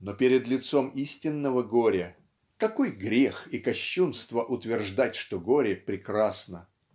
но перед лицом истинного горя -- какой грех и кощунство утверждать что горе прекрасно!